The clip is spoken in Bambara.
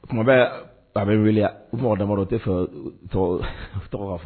Kuma bɛɛ a bɛ n wele u ɔgɔ damadɔ u tɛ fɛ u tɔgɔ ka fɔ